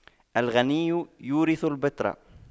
الغنى يورث البطر